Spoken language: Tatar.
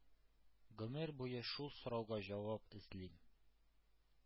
Гомер буе шул сорауга җавап эзлим.